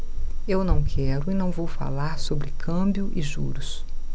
eu não quero e não vou falar sobre câmbio e juros